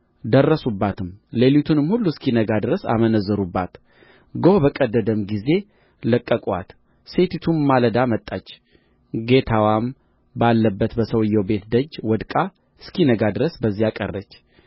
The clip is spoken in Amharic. ደረሱባትም ሌሊቱንም ሁሉ እስኪነጋ ድረስ አመነዘሩባት ጎህ በቀደደም ጊዜ ለቀቁአት ሴቲቱም ማለዳ መጣች ጌታዋም ባለበት በሰውዮው ቤት ደጅ ወድቃ እስኪነጋ ድረስ በዚያ ቀረች